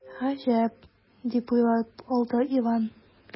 “гаҗәп”, дип уйлап алды иван.